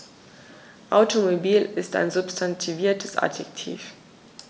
Automobil ist ein substantiviertes Adjektiv.